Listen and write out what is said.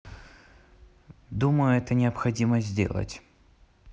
думаю это необходимо сделать